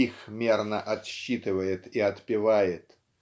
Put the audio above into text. их мерно отсчитывает и отпевает.